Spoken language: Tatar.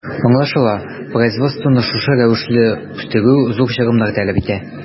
Аңлашыла, производствоны шушы рәвешле үстерү зур чыгымнар таләп итә.